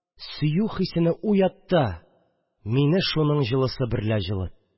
Сөю хисене уят та, мине шуның җылысы берлә җылыт